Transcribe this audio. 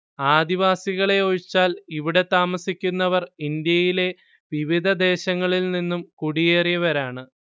ആദിവാസികളെ ഒഴിച്ചാൽ ഇവിടെ താമസിക്കുന്നവർ ഇന്ത്യയിലെ വിവിധ ദേശങ്ങളിൽ നിന്നും കുടിയേറിയവരാണ്